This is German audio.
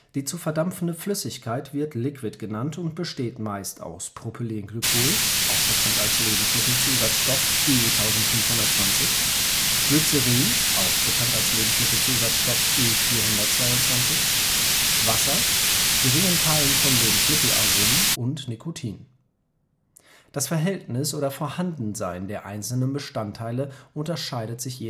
Die zu verdampfende Flüssigkeit wird Liquid genannt und besteht meist aus Propylenglycol (Lebensmittelzusatzstoff E 1520), Glycerin (Lebensmittelzusatzstoff E 422), Wasser, geringen Teilen von Lebensmittelaromen und Nikotin. Das Verhältnis oder Vorhandensein der einzelnen Bestandteile unterscheidet sich